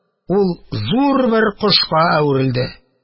Ул зур бер кошка әверелде.